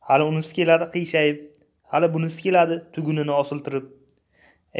hali unisi keladi qiyshayib hali bunisi keladi tugunini osiltirib